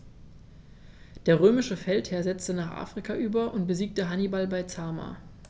Der römische Feldherr setzte nach Afrika über und besiegte Hannibal bei Zama.